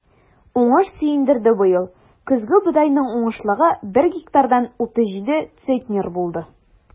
Уңыш сөендерде быел: көзге бодайның уңышлылыгы бер гектардан 37 центнер булды.